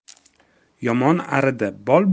yomon arida bol